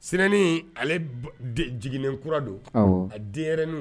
Sinannen ale jiginnen kura don a den yɛrɛr n